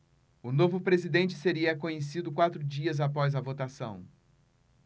o novo presidente seria conhecido quatro dias após a votação